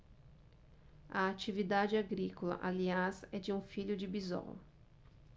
a atividade agrícola aliás é de um filho de bisol